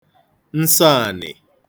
nsọ ànị̀